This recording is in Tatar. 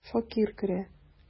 Шакир керә.